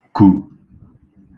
kù